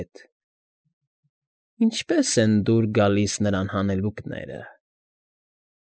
Հետ։ Ինչպե՞ս֊ս֊ս են դուր գալիս֊ս֊ս նրան հանելուկները։